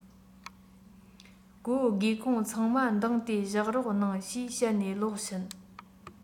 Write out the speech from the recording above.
སྒོ སྒེའུ ཁུང ཚང མ གདང སྟེ བཞག རོགས གནང ཞེས བཤད ནས ལོག ཕྱིན